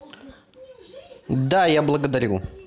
да я благодарю